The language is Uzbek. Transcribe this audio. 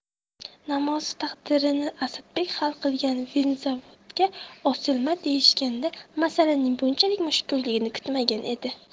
namozov taqdirini asadbek hal qilgan vinzavodga osilma deyishganda masalaning bunchalik mushkulligini kutmagan edi